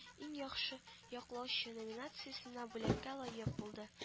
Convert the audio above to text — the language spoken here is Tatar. Иң яхшы яклаучы номинациясенә бүләккә лаек булды